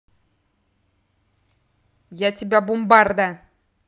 я тебя бумбарда